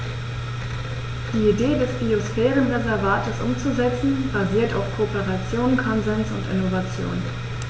Die Idee des Biosphärenreservates umzusetzen, basiert auf Kooperation, Konsens und Innovation.